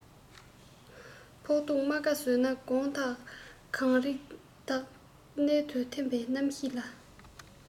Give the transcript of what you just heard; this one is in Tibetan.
ཕོག ཐུག རྨ ཁ བཟོས ན དགོངས དག གངས རིའི དག སྣང དུ ཐིམ པའི རྣམ ཤེས ལ